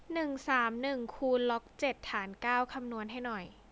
หนึ่งสามหนึ่งคูณล็อกเจ็ดฐานเก้าคำนวณให้หน่อย